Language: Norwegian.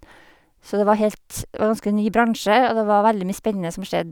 Så det var helt det var ganske ny bransje, og det var veldig mye spennende som skjedde.